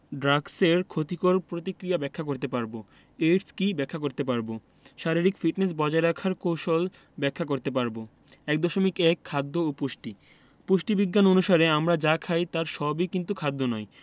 ও ড্রাগসের ক্ষতিকর প্রতিক্রিয়া ব্যাখ্যা করতে পারব এইডস কী ব্যাখ্যা করতে পারব শারীরিক ফিটনেস বজায় রাখার কৌশল ব্যাখ্যা করতে পারব ১.১ খাদ্য ও পুষ্টি পুষ্টিবিজ্ঞান অনুসারে আমরা যা খাই তার সবই কিন্তু খাদ্য নয়